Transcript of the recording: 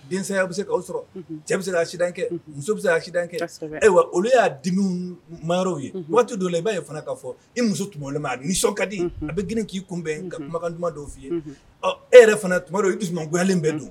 Densaya be se k'aw sɔrɔ unhun cɛ be se ka accident kɛ unhun muso be se ka accident kɛ kɔsɛbɛ ayiwa olu y'a dimiw mayɔrɔw ye unhun waati dɔ la i b'a ye fana k'a fɔ i muso tumadɔlama a nisɔnkadi unhun a be girin k'i kunbɛn unhun ka kumakanduman dɔw f'i ye unhun ɔ e yɛrɛ fana tumadɔ i dusumagoyalen bɛ don unhun